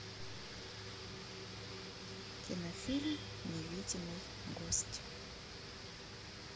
кинофильм невидимый гость